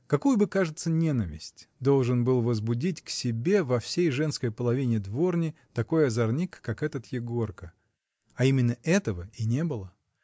Какую бы, кажется, ненависть должен был возбудить к себе во всей женской половине дворни такой озорник, как этот Егорка? А именно этого и не было.